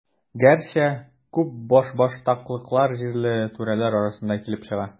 Гәрчә, күп башбаштаклыклар җирле түрәләр аркасында килеп чыга.